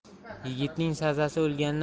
yigitning sazasi o'lgandan